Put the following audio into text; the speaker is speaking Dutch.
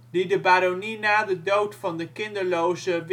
die de baronie na de dood van de kinderloze